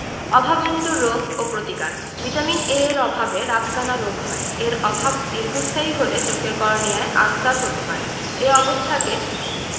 অভাবজনিত রোগ ও প্রতিকার ভিটামিন A এর অভাবে রাতকানা রোগ হয় এর অভাব দীর্ঘস্থায়ী হলে চোখের কর্নিয়ায় আলসার হতে পারে এ অবস্থাকে